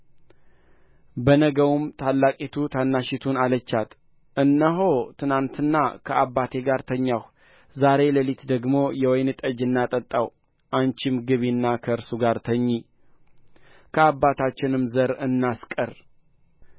በነጋውም ታላቂቱ ታናሺቱን አለቻት እነሆ ትናንት ከአባቴ ጋር ተኛሁ ዛሬ ሌሊት ደግሞ የወይን ጠጅ እናጠጣው አንቺም ግቢና ከእርሱ ጋር ተኚ ከአባታችንም ዘር እናስቀር